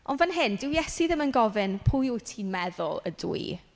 Ond fan hyn, dyw Iesu ddim yn gofyn "pwy wyt ti'n meddwl ydw i?".